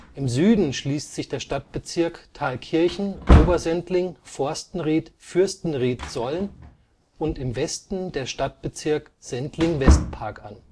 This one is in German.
Im Süden schließt sich der Stadtbezirk Thalkirchen-Obersendling-Forstenried-Fürstenried-Solln und im Westen der Stadtbezirk Sendling-Westpark an